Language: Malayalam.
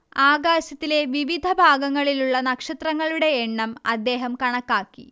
ആകാശത്തിലെ വിവിധ ഭാഗങ്ങളിലുള്ള നക്ഷത്രങ്ങളുടെ എണ്ണം അദ്ദേഹം കണക്കാക്കി